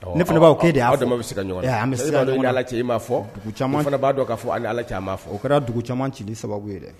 Ne fana b'' e de y'a dɛmɛ ma bɛ se ka ɲɔgɔn bɛ ala cɛ i m'a fɔ dugu caman fana b'a dɔn k'a fɔ ale ni ala cɛ b'a fɔ o kɛra dugu caman ci ni sababu ye dɛ